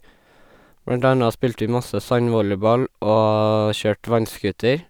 Blant anna spilte vi masse sandvolleyball og kjørte vannscooter.